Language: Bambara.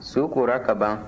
su kora kaban